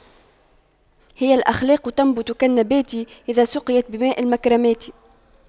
هي الأخلاق تنبت كالنبات إذا سقيت بماء المكرمات